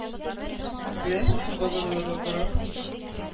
Күрәсең, шул баганаларга карап